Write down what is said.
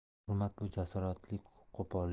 hurmat bu jasoratli qo'pollik